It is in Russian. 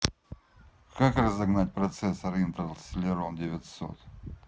как разогнать процессор интел селерон девятьсот